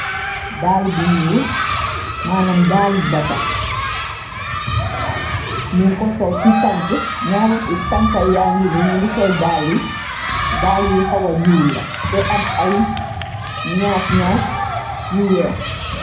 Daal bu ñuul manam daal bata ñu ko sol ci tank naari tanka ya ngi ni ñu ngi sol daali yi daali yi hawa ñuul la te am ay ñs-ñaas yu weeh.